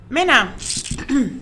N mɛn na